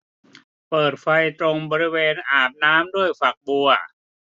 เปิดไฟตรงบริเวณอาบน้ำด้วยฝักบัว